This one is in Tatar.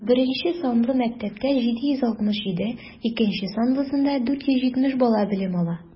Беренче санлы мәктәптә - 767, икенче санлысында 470 бала белем ала.